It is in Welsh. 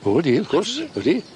O ydi wrth gwrs ydi.